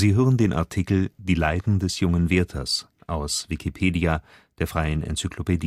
hören den Artikel Die Leiden des jungen Werthers, aus Wikipedia, der freien Enzyklopädie